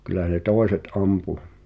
kyllä ne toiset ampui